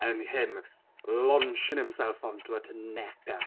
and him launching himself onto her to neck her...